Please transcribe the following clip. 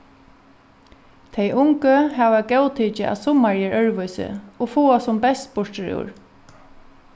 tey ungu hava góðtikið at summarið er øðrvísi og fáa sum best burturúr